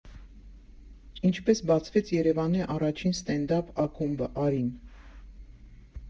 Ինչպես բացվեց Երևանի առաջին ստենդափ ակումբը՝ «Արին».